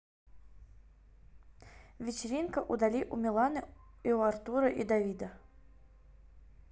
вечеринка удали у миланы и у артура и давида